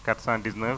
419